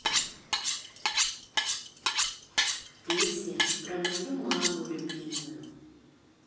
песня про мою маму любимую